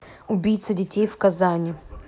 убийца детей в казани